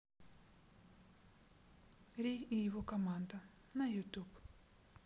рей и его команда на ютуб